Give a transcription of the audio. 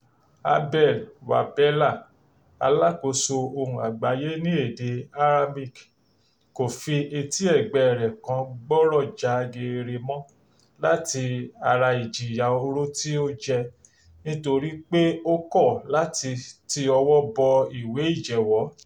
Abel Wabella, alákòóso Ohùn Àgbáyé ní Èdè Amharic , kò fi etí ẹ̀gbẹ́ẹ rẹ̀ kan gbọ́ràn já geere mọ́n láti ara ìjìyà oró tí ó jẹ́ nítorí pé ó kọ̀ láti ti ọwọ́ bọ ìwé ìjẹ́wọ́.